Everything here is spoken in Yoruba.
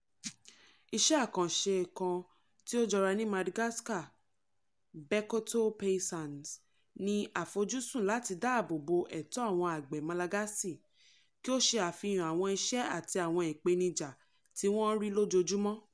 Iṣẹ́ àkànṣe kan tí ó jọra ní Madagascar, Bekoto Paysans, ní àfojúsùn láti dáàbò bo ẹ̀tọ́ àwọn àgbẹ̀ Malagasy, kí ó ṣe àfihàn àwọn iṣẹ́ àti àwọn ìpènijà tí wọ́n ń rí lójoojúmọ́ (fr).